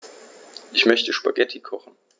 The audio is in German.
Ich möchte Spaghetti kochen.